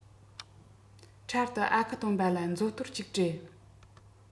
འཕྲལ དུ ཨ ཁུ སྟོན པ ལ མཛོ དོར གཅིག སྤྲད